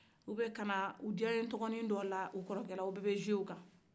ani dɔ wɛrɛ ka u diyaɲɛ tɔgɔ dɔ da u kɔrɔkɛla o bɛɛ bɛ digi u la